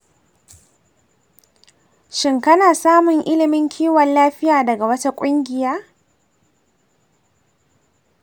shin kana samun ilimin kiwon lafiya daga wata ƙungiya?